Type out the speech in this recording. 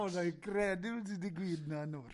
O, wnai gredu wyt ti 'di gweud na, nwr.